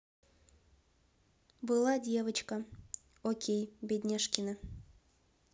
была девочка окей бедняжкина